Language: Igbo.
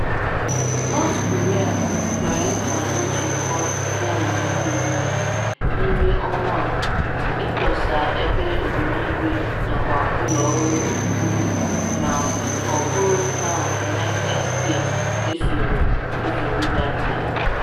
North Korea kwere nkwa na nzụkọ yana Moon mere n’ime ọnwa a ịtọsa ebe ogbunigwe nakwa ụlọ ọrụ nuklịa ma ọ bụrụ na United States esoro “usoro dabara.”